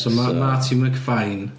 So... so mae mae Marty McFine.